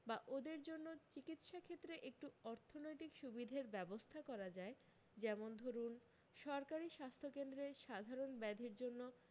বা ওদের জন্য চিকিৎসাক্ষেত্রে একটু অর্থনৈতিক সুবিধের ব্যবস্থা করা যায় যেমন ধরুন সরকারী স্বাস্থ্যকেন্দ্রে সাধারণ ব্যাধির জন্য